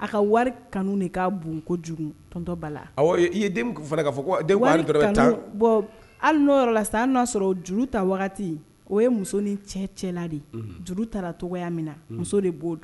A ka wari kanu de k' bon ko juru tɔntɔba la i ye den fana'a fɔ ali n' yɔrɔ la sisan'a sɔrɔ juru ta wagati o ye musosonin cɛ cɛ la de ye juru taara tɔgɔgoya min na muso de b'o